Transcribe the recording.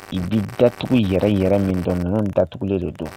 I bi datugu yɛrɛ yɛrɛ min don datugulen don don